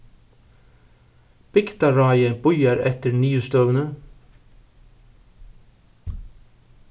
bygdarráðið bíðar eftir niðurstøðuni